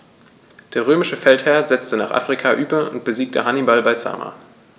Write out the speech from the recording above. Der römische Feldherr setzte nach Afrika über und besiegte Hannibal bei Zama.